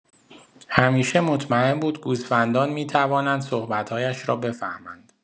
همیشه مطمئن بود گوسفندان می‌توانند صحبت‌هایش را بفهمند.